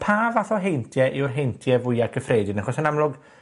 pa fath o heintie yw'r heintie fwya cyffredin? Achos yn amlwg,